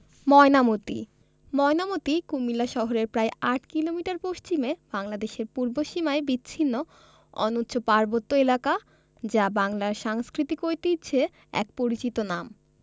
ময়নামতী ময়নামতী কুমিল্লা শহরের প্রায় ৮ কিলোমিটার পশ্চিমে বাংলাদেশের পূর্ব সীমায় বিচ্ছিন্ন অনুচ্চ পার্বত্য এলাকা যা বাংলার সাংস্কৃতিক ঐতিহ্যে এক পরিচিত নাম